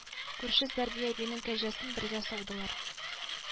Күрше сәрби әбинең кәҗәсен бергә саудылар